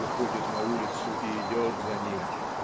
выходит на улицу и идет за ним.